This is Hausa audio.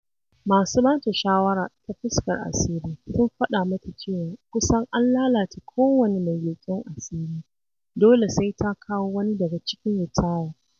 Masu ba ta shawara ta fuskar asiri sun faɗa mata cewa kusan an lalata kowane mai leƙen asiri, dole sai ta kawo wani daga cikin ritaya.